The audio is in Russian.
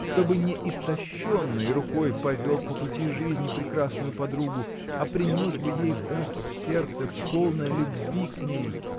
кто бы не истощенной рукой повел по пути жизни прекрасную подругу а принес бы ей в дар сердце полное любви к ней